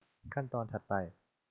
ขั้นถัดไป